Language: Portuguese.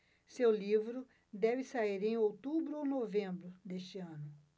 seu livro deve sair em outubro ou novembro deste ano